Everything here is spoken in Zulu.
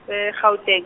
e- Gauteng.